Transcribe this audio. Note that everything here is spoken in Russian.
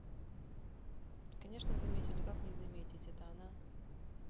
конечно заметили как не заметить это она